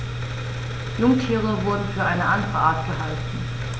Jungtiere wurden für eine andere Art gehalten.